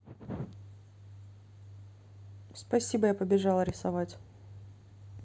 спасибо я побежала рисовать